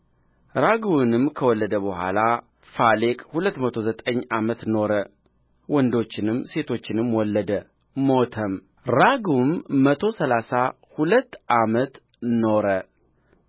ራግውንም ከወለደ በኋላ ፋሌቅ ሁለት መቶ ዘጠኝ ዓመት ኖረ ወንዶችንም ሴቶችንም ወለደ ሞተም ራግውም መቶ ሠላሳ ሁለት ዓመት ኖረ